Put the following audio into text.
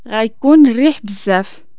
غأيكون الريح بزاف